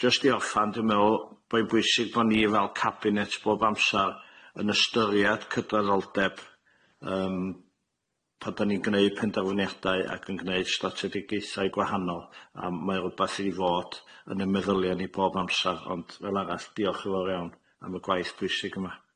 jyst i orffan dwi'n me'wl bo'i'n bwysig bo' ni fel cabinet bob amsar yn ystyriad cydraddoldeb yym pan do'n ni'n gneud penderfyniadau ac yn gneud strategaethau gwahanol a m- mae o rwbath i fod yn y meddylia ni bob amsar ond fel arall diolch yn fawr iawn am y gwaith bwysig yma.